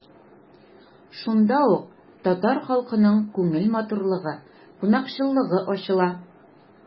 Шунда ук татар халкының күңел матурлыгы, кунакчыллыгы ачыла.